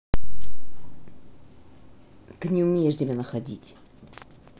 ты не умеешь для меня находить